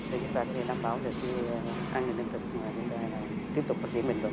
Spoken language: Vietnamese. thì chúng ta có thể đảm bảo được cái an ninh lương thực mà chúng ta tiếp tục phát triển bền vững